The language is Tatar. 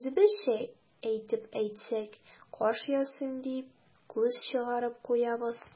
Үзебезчә итеп әйтсәк, каш ясыйм дип, күз чыгарып куябыз.